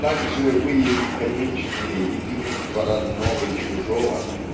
так же выявить конечное единство родного и чужого